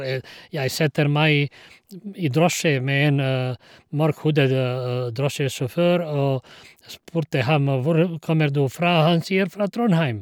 Fra Trondheim.